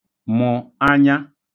mụ̀ anya